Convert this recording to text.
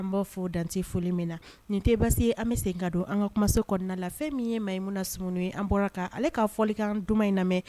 An b' fo dante foli min na nin tɛ basi an bɛ sen ka don an ka kumaso kɔnɔna la fɛn min ye maa inmu na sumuni ye an bɔra kan ale k kaa fɔli kan duman in lamɛn